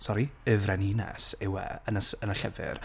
Sori, y Frenhines, yw e, yn y s- yn y llyfr.